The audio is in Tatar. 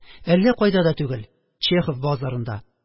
Әллә кайда да түгел, Чехов базарында,